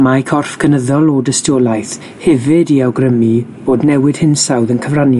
Mae corff gynyddol o dystiolaeth hefyd i awgrymu bod newid hinsawdd yn cyfrannu